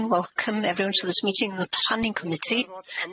Welcome everyone to this meeting of the Planning Committee.